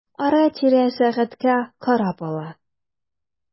Ара-тирә сәгатькә карап ала.